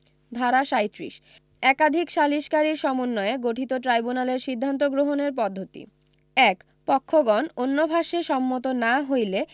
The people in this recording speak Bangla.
ধারা ৩৭ একাধিক সালিসকারীর সমন্বয়ে গঠিত ট্রাইব্যুনালের সিদ্ধান্ত গ্রহণের পদ্ধতি ১ পক্ষগণ অন্যভাসে সম্মত না হইলে